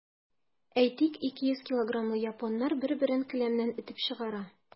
Әйтик, 200 килограммлы японнар бер-берен келәмнән этеп чыгара.